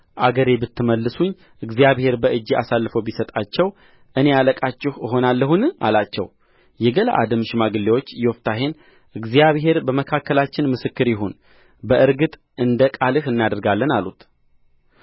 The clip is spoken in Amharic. አገሬ ብትመልሱኝ እግዚአብሔርም በእጄ አሳልፎ ቢሰጣቸው እኔ አለቃችሁ እሆናለሁን አላቸው የገለዓድም ሽማግሌዎች ዮፍታሔን እግዚአብሔር በመካከላችን ምስክር ይሁን በእርግጥ እንደ ቃልህ እናደርጋለን አሉት